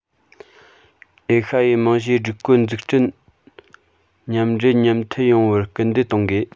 ཨེ ཤ ཡའི རྨང གཞིའི སྒྲིག བཀོད འཛུགས སྐྲུན མཉམ སྦྲེལ མཉམ མཐུད ཡོང བར སྐུལ འདེད གཏོང དགོས